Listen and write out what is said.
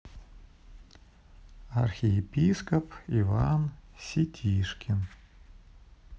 архиепископ иван ситишкин